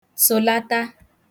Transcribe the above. tụ̀lata